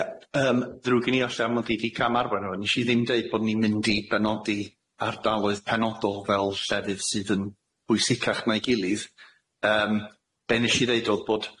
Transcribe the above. Ie yym ddrwg i ni alla mewn i di cam arfer rŵan nesh i ddim deud bo' ni'n mynd i benodi ardaloedd penodol fel llefydd sydd yn bwysicach na'i gilydd yym be' nesh i ddeud odd bod